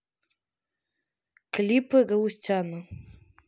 клипы галустяна